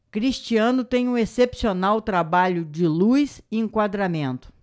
cristiano tem um excepcional trabalho de luz e enquadramento